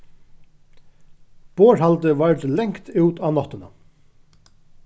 borðhaldið vardi langt út á náttina